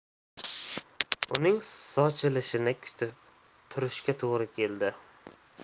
uning ochilishini kutib turishga to'g'ri keldi